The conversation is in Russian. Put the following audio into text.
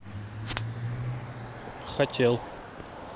хотел